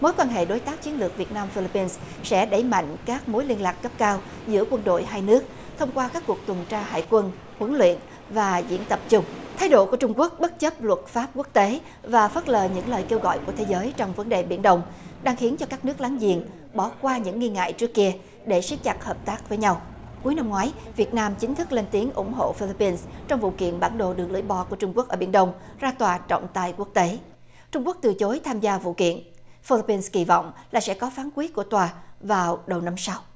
mối quan hệ đối tác chiến lược việt nam phi líp pin sẽ đẩy mạnh các mối liên lạc cấp cao giữa quân đội hai nước thông qua các cuộc tuần tra hải quân huấn luyện và diễn tập chung thái độ của trung quốc bất chấp luật pháp quốc tế và phớt lờ những lời kêu gọi của thế giới trong vấn đề biển đông đang khiến cho các nước láng giềng bỏ qua những nghi ngại trước kia để siết chặt hợp tác với nhau cuối năm ngoái việt nam chính thức lên tiếng ủng hộ phi líp pin trong vụ kiện bản đồ đường lưỡi bò của trung quốc ở biển đông ra tòa trọng tài quốc tế trung quốc từ chối tham gia vụ kiện phơ líp pin kỳ vọng là sẽ có phán quyết của tòa vào đầu năm sau